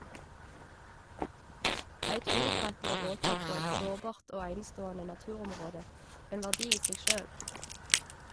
Eit uoppretteleg åtak på eit sårbart og eineståande naturområde, ein verdi i seg sjølv.